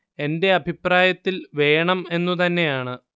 എന്റെ അഭിപ്രായത്തിൽ വേണം എന്നു തന്നെയാണ്